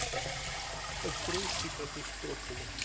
открой фриттату с брокколи